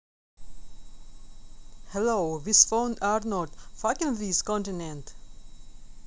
hello this phone арнольд fucking this continent